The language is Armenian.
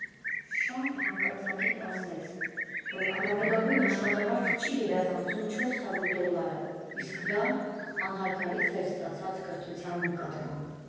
Շանթը հանկարծակի պարզեց, որ առավելագույն աշխատավարձը չի գերազանցում չորս հարյուր դոլարը, իսկ դա անհարգալից էր ստացած կրթության նկատմամբ։